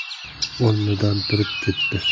o'rnidan turib ketdi